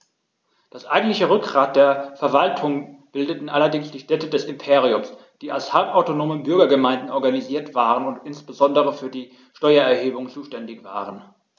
Das eigentliche Rückgrat der Verwaltung bildeten allerdings die Städte des Imperiums, die als halbautonome Bürgergemeinden organisiert waren und insbesondere für die Steuererhebung zuständig waren.